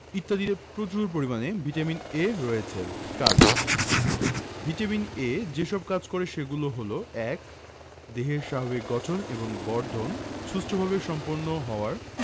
ইত্যাদিতে প্রচুর পরিমানে ভিটামিন A রয়েছে কাজ ভিটামিন A যেসব কাজ করে সেগুলো হলো ১. দেহের স্বাভাবিক গঠন এবং বর্ধন সুষ্ঠুভাবে সম্পন্ন হওয়ার